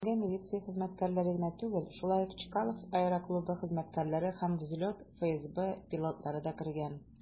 Төркемгә милиция хезмәткәрләре генә түгел, шулай ук Чкалов аэроклубы хезмәткәрләре һәм "Взлет" ФСБ пилотлары да кергән.